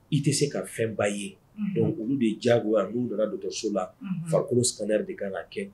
I tɛ se ka fɛn ba ye, unhun,, donc olu de diyago n'u nana dogɔtɔrɔso la, unhun, farikolo scanneur de bɛ kɛ.